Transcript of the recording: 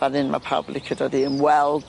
Fan 'yn ma' pawb yn licio dod i ymweld.